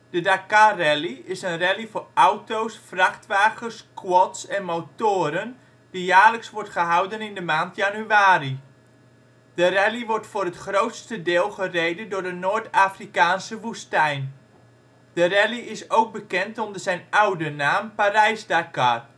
De Dakar-rally is een rally voor auto 's, vrachtwagens, quads en motoren die jaarlijks wordt gehouden in de maand januari. De rally wordt voor het grootste deel gereden door de Noord-Afrikaanse woestijn. De rally is ook bekend onder zijn oude naam Parijs-Dakar